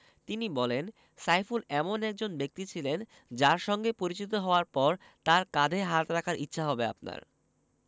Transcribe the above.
তিনি বলেন সাইফুল এমন একজন ব্যক্তি ছিলেন যাঁর সঙ্গে পরিচিত হওয়ার পর তাঁর কাঁধে হাত রাখার ইচ্ছা হবে আপনার